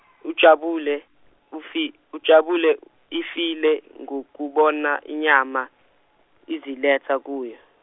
ujabule ufile ujabule ifile ngokubona inyama, iziletha kuyo.